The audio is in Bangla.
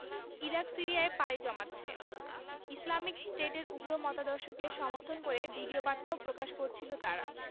ইরাক সিরিয়ায় পাড়ি জমাচ্ছে ইসলামিক স্টেটের উগ্র মতাদর্শকে সমর্থন করে ভিডিওবার্তাও প্রকাশ করছিল তারা